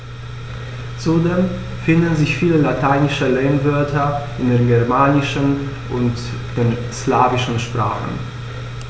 Zudem finden sich viele lateinische Lehnwörter in den germanischen und den slawischen Sprachen.